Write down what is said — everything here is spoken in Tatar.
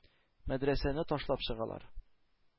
Мәдрәсәне ташлап чыгалар.